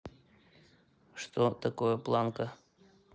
что такое планка